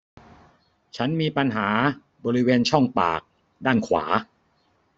ฉันมีปัญหาบริเวณช่องปากด้านขวา